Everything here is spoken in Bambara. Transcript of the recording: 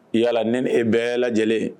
Yala ne e bɛɛ lajɛlen